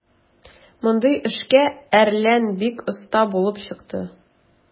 Мондый эшкә "Әрлән" бик оста булып чыкты.